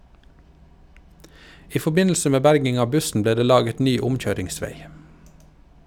I forbindelse med berging av bussen ble det laget ny omkjøringsvei.